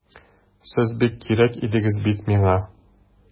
Сез бик кирәк идегез бит миңа!